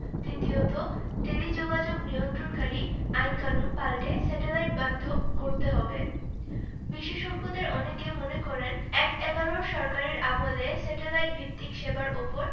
তৃতীয়ত টেলিযোগাযোগ নিয়ন্ত্রণকারী আইনকানুন পাল্টে স্যাটেলাইট বান্ধব করতে হবে বিশেষজ্ঞদের অনেকে মনে করেন এক–এগারোর সরকারের আমলে স্যাটেলাইট ভিত্তিক সেবার ওপর